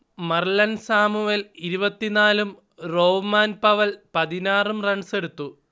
Marlon Samuel ഇരുപതിനാലും Rovman Powell പതിനാറും റൺസെടുത്തു